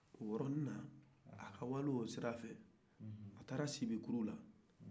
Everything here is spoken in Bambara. o yɔrɔni na a k'o taali la a taara sibikuru la